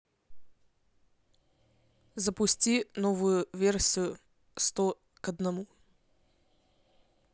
запусти новую версию сто к одному